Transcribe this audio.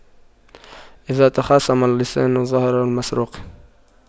إذا تخاصم اللصان ظهر المسروق